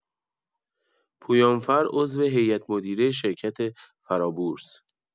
«پویانفر» عضو هیئت‌مدیره شرکت فرابورس